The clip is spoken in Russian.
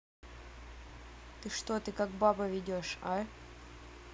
ты что ты как баба ведешь а